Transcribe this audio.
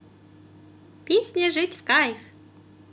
песня жить в кайф